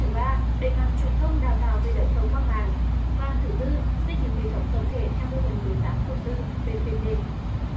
thứ ba đẩy mạnh truyền thông đào tạo về đấu thầu qua mạng và thứ tư xây dựng hệ thống tổng thể theo mô hình đối tác công tư pê pê pê